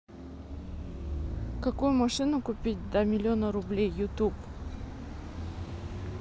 какую машину купить до миллиона рублей youtube